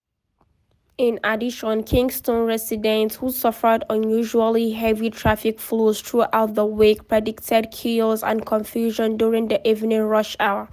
In addition, Kingston residents, who suffered unusually heavy traffic flows throughout the week, predicted chaos and confusion during the evening rush hour.